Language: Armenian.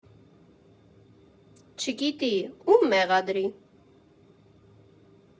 Չգիտի՝ ո՞ւմ մեղադրի։